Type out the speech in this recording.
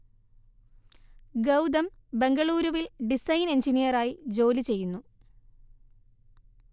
ഗൗതം ബെംഗളൂരുവിൽ ഡിസൈൻ എൻജിനീയറായി ജോലിചെയ്യുന്നു